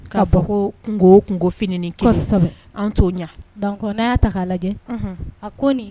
K'a fɔ ko kunko o kunko fininin kelen, kosɛbɛ, an t'o ɲɛ, donc n'a y'a ta k'a lajɛ, unhun, a ko nin